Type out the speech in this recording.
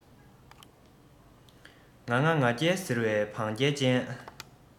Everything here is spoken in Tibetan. ང ང ང རྒྱལ ཟེར བའི བང རྒྱལ ཅན